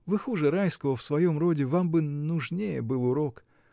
Вы хуже Райского в своем роде, вам бы нужнее был урок.